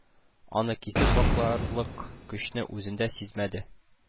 Аны кисеп вакларлык көчне үзендә сизмәде